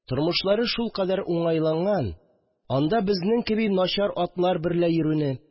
Тормышлары шулкадәр уңайланган, анда безнең кеби начар атлар берлә йөрүне